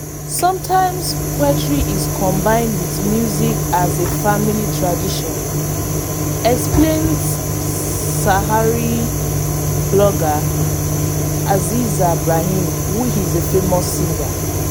Sometimes poetry is combined with music as a family tradition, explains Sahrawi blogger, Aziza Brahim, who is a famous singer.